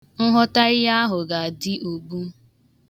Nghọta ihe ahụ ga-adị ogbụ.